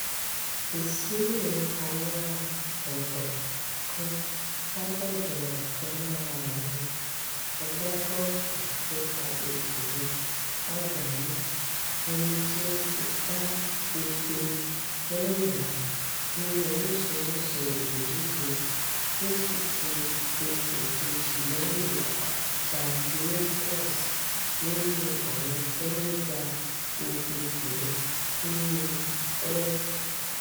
Ìṣirò àrà ọ̀tọ̀ kan látọ̀dọ̀ ọ̀kan lára àwọn agbágọ́ọ̀fù tó tayọ jùlọ lágbàáyé, ẹni tí ó ti gba ife 14 ní onírúurú ìdíje; tó sì ṣe ipò kejì lẹ́yìn Jack Nicklaus nínú àwọn tó ń gba ife jùlọ nínú gọ́ọ̀fù.